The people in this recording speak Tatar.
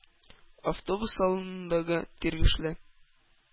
Автобус салонындагы тиргешле,